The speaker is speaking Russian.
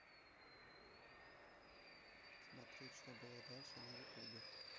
смотреть что было дальше на ютубе